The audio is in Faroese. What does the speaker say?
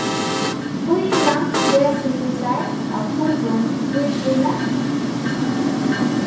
fýra dl av turrum hvítvíni